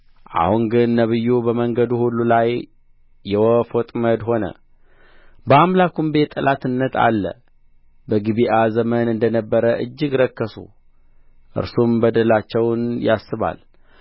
አሁን ግን ነቢዩ በመንገዱ ሁሉ ላይ የወፍ ወጥመድ ሆነ በአምላኩም ቤት ጠላትነት አለ በጊብዓ ዘመን እንደ ነበረ እጅግ ረከሱ እርሱም በደላቸውን ያስባል